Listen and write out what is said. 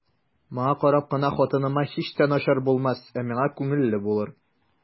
Моңа карап кына хатыныма һич тә начар булмас, ә миңа күңелле булыр.